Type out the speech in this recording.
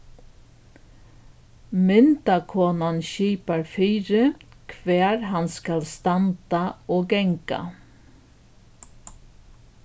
myndakonan skipar fyri hvar hann skal standa og ganga